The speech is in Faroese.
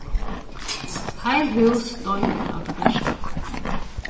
heil hús doyðu av tuberklum